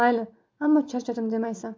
mayli ammo charchadim demaysan